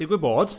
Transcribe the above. Digwydd bod.